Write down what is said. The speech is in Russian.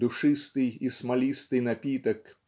душистый и смолистый напиток